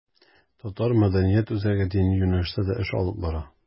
Татар мәдәният үзәге дини юнәлештә дә эш алып бара.